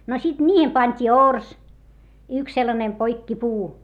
no sitten niihin pantiin orsi yksi sellainen poikkipuu